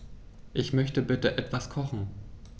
Ich möchte bitte etwas kochen.